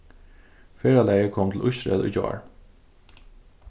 ferðalagið kom til ísrael í gjár